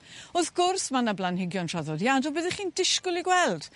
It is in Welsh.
Wrth gwrs ma' 'na blanhigion traddodiadol byddech chi'n disgwyl i gweld